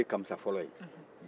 ale de ye kamisa fɔlɔ ye